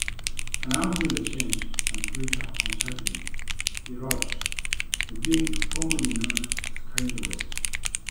Announcing the change on Twitter on Saturday, he wrote: "The being formally known as Kanye West."